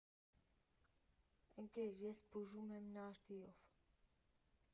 Ընկերներ, ես բուժվում եմ նարդիով։